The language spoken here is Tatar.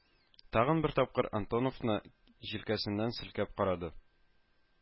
Тагын бер тапкыр Антоновны җилкәсеннән селкеп карады